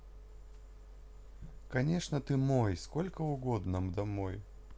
конечно ты мой сколько угодно домой